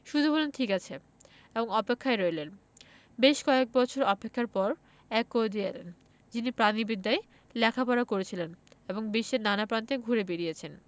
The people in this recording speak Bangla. শুধু বললেন ঠিক আছে এবং অপেক্ষায় রইলেন বেশ কয়েক বছর অপেক্ষার পর এক কয়েদি এলেন যিনি প্রাণিবিদ্যায় লেখাপড়া করেছিলেন এবং বিশ্বের নানা প্রান্তে ঘুরে বেড়িয়েছেন